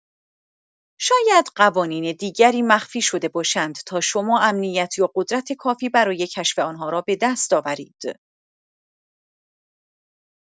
شاید قوانین دیگری مخفی شده باشند تا شما امنیت یا قدرت کافی برای کشف آن‌ها را به دست آورید.